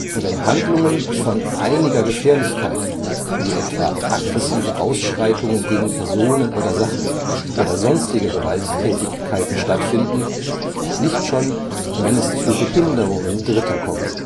wenn Handlungen von einiger Gefährlichkeit wie etwa aggressive Ausschreitungen gegen Personen oder Sachen oder sonstige Gewalttätigkeiten stattfinden, nicht schon, wenn es zu Behinderungen Dritter kommt